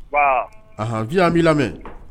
A i y' b'i lamɛn